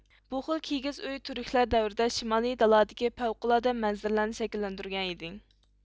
بۇ خىل كېگىز ئۆي تۈركلەر دەۋرىدە شىمالىي دالادىكى پەۋقۇلئاددە مەنزىرىلەرنى شەكىللەندۈرگەن ئىدى